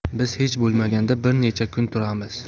biz hech bo'lmaganda bir necha kun turamiz